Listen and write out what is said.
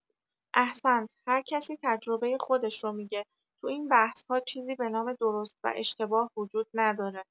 احسنت، هر کسی تجربه خودش رو می‌گه تو این بحث‌ها چیزی بنام درست و اشتباه وجود نداره